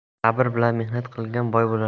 sabr bilan mehnat qilgan boy bo'lar